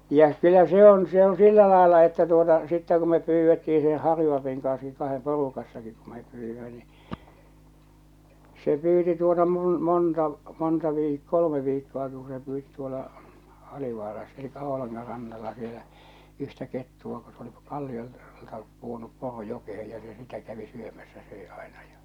ja kyllä se on se on sillä lailla että tuota sitten kun me pyydettiin sen Harju-Alpin kanssakin kahden porukassakin kun me pyysimme niin se pyysi tuota - monta monta - kolme viikkoakin kun se pyysi tuolla Alivaarassa eli Oulangan rannalla siellä yhtä kettua kun se oli - kalliolta pudonnut poro jokeen ja se sitä kävi syömässä söi aina ja